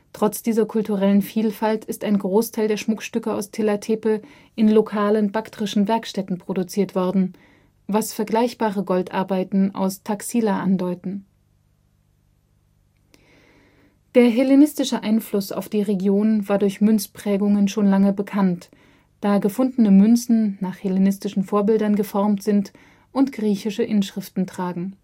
Trotz dieser kulturellen Vielfalt ist ein Großteil der Schmuckstücke aus Tilla Tepe in lokalen baktrischen Werkstätten produziert worden, was vergleichbare Goldarbeiten aus Taxila andeuten. Der hellenistische Einfluss auf die Region war durch Münzprägungen schon lange bekannt, da gefundene Münzen nach hellenistischen Vorbildern geformt sind und griechische Inschriften tragen